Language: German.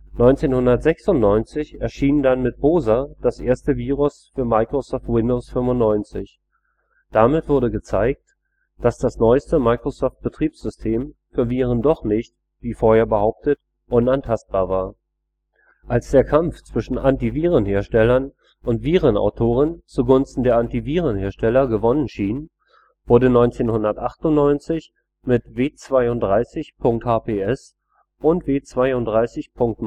1996 erschien dann mit Boza das erste Virus für Microsoft Windows 95. Damit wurde gezeigt, dass das neueste Microsoft-Betriebssystem für Viren doch nicht, wie vorher behauptet, unantastbar war. Als der Kampf zwischen Antivirenherstellern und Virenautoren zugunsten der Antivirenhersteller gewonnen schien, wurden 1998 mit W32.HPS und W32.Marburg